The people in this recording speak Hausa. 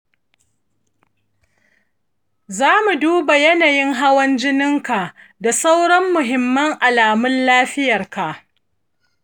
zamu duba yanayin hawan jini ka da sauran muhimman alamun lafiyarka.